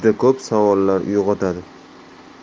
juda ko'p savollar uyg'otadi